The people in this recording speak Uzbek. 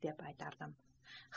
aytar edimki